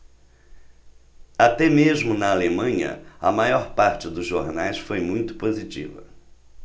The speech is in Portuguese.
até mesmo na alemanha a maior parte dos jornais foi muito positiva